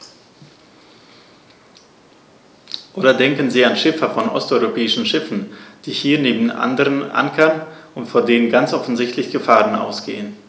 Oder denken Sie an Schiffer von osteuropäischen Schiffen, die hier neben anderen ankern und von denen ganz offensichtlich Gefahren ausgehen.